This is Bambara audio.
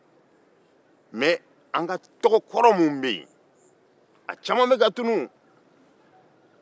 mɛ an ka tɔgɔ minnu bɛ yen olu caman bɛka tunun